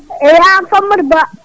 e yayam Farmata Ba